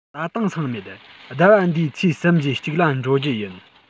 ད དུང སོང མེད ཟླ བ འདིའི ཚེས གསུམ བཞིའི གཅིག ལ འགྲོ རྒྱུུ ཡིན